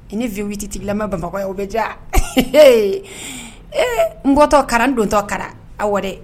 E ne V8 lama Bamako yan, o bɛ diya? Ee n bɔtɔ kara ,n dontɔ kara awɔ dɛ!